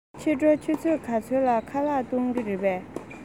ཕྱི དྲོ ཆུ ཚོད ག ཚོད ལ ཁ ལག གཏོང གི རེད པས